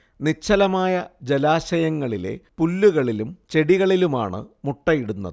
നിശ്ചലമായ ജലാശയങ്ങളിലെ പുല്ലുകളിലും ചെടികളിലുമാണ് മുട്ട ഇടുന്നത്